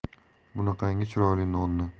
bunaqangi chiroyli nonni